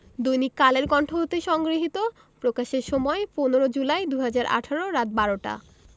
দৈনিক কালের কন্ঠ হতে সংগৃহীত প্রকাশের সময় ১৫ জুলাই ২০১৮ রাত ১২টা